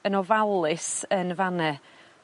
yn ofalus yn y fan 'ne.